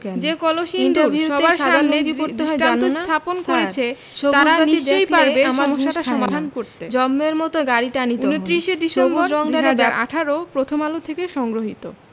যে কলসিন্দুর সবার সামনে দৃষ্টান্ত স্থাপন করেছে তারা নিশ্চয়ই পারবে সমস্যাটার সমাধান করতে ২৯ ডিসেম্বর ২০১৮ প্রথম আলো হতে সংগ্রহীত